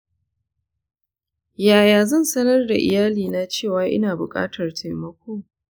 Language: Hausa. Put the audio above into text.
yaya zan sanar da iyalina cewa ina buƙatar taimako?